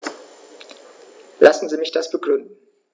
Lassen Sie mich das begründen.